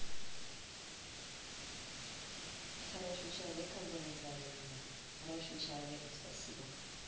хорошим человеком вы назвали меня хорошим человеком спасибо